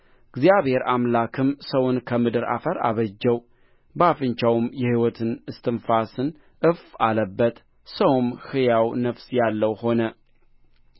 እግዚአብሔር አምላክም ሰውን ከምድር አፈር አበጀው በአፍንጫውም የሕይወት እስትንፋስን እፍ አለበት ሰውም ሕያው ነፍስ ያለው ሆነ